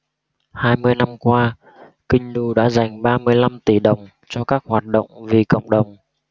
hai mươi năm qua kinh đô đã dành ba mươi lăm tỷ đồng cho các hoạt động vì cộng đồng